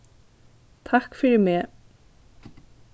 takk fyri meg